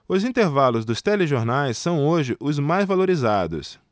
os intervalos dos telejornais são hoje os mais valorizados